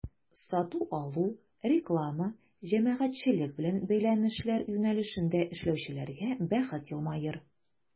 Сату-алу, реклама, җәмәгатьчелек белән бәйләнешләр юнәлешендә эшләүчеләргә бәхет елмаер.